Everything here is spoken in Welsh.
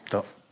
Do.